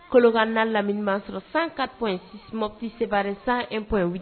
Kolokani n'a lamini b'an sɔrɔ 104.6 Mɔti Seware 101.8